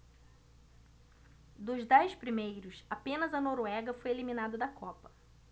dos dez primeiros apenas a noruega foi eliminada da copa